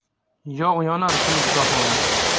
yog' yonar pilik bahona